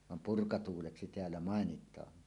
niin vaan purkatuuleksi täällä mainitaan